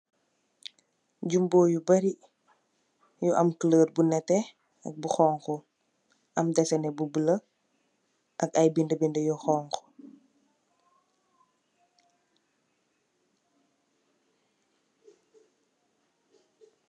Jumbo yu bari, yu am kuloor bu neteh, ak bu xonxu, am desene bu buleuh, ak aye bindi bindi yu xonxu.